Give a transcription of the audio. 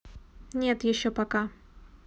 нет еще пока